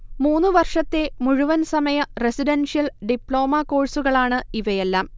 മൂന്നുവർഷത്തെ മുഴുവൻ സമയ residential diploma കോഴ്സുകളാണ് ഇവയെല്ലാം